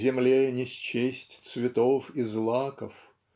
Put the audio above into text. "земле не счесть цветов и злаков